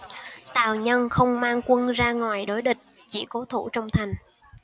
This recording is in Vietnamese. tào nhân không mang quân ra ngoài đối địch chỉ cố thủ trong thành